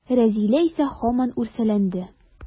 Рәзилә исә һаман үрсәләнде.